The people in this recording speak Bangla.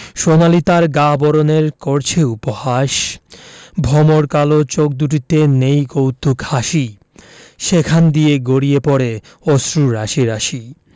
সোনালি তার গা বরণের করছে উপহাস ভমর কালো চোখ দুটিতে নেই কৌতুক হাসি সেখান দিয়ে গড়িয়ে পড়ে অশ্রু রাশি রাশি